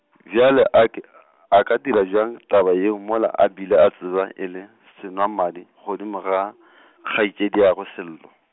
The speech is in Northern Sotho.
bjale a ke , a ka dira bjang, taba yeo mola a bile a tseba e le, senwamadi godimo ga , kgaetšediagwe Sello.